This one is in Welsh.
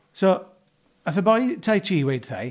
So, wnaeth y boi tai chi weud 'tha i.